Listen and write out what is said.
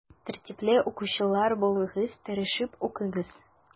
Тәртипле укучылар булыгыз, тырышып укыгыз.